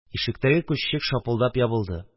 Ишектәге күзчек шапылдап ябылды